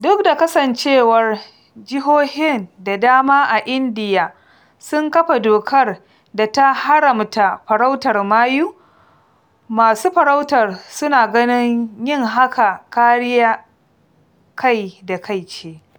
Duk da kasancewar jihohi da dama a Indiya sun kafa dokar da ta haramta farautar mayu, masu farautar su na ganin yin haka kariyar kai da kai ce.